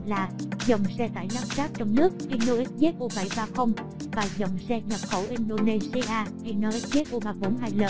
dòng xe tải lắp ráp trong nước hino xzu và dòng xe nhập khẩu indonesia hino xzu l